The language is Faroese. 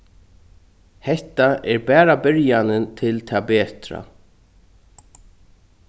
hetta er bara byrjanin til tað betra